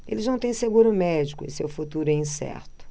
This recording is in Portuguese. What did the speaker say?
eles não têm seguro médico e seu futuro é incerto